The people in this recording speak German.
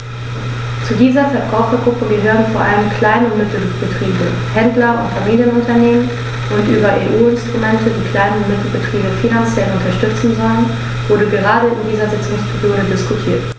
Zu dieser Verbrauchergruppe gehören vor allem Klein- und Mittelbetriebe, Händler und Familienunternehmen, und über EU-Instrumente, die Klein- und Mittelbetriebe finanziell unterstützen sollen, wurde gerade in dieser Sitzungsperiode diskutiert.